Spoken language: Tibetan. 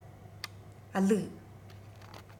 བླུག